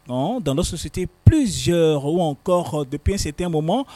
Non dans notre société plusieurs ou encore depuis un certain moment